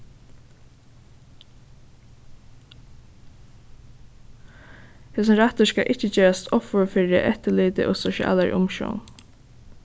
hesin rættur skal ikki gerast offur fyri eftirliti og sosialari umsjón